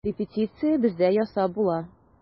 Репетиция бездә ясап була.